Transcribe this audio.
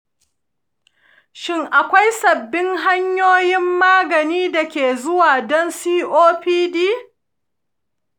shin akwai sabbin hanyoyin magani da ke zuwa don copd?